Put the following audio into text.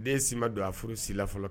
A den si ma don a furu si la fɔlɔ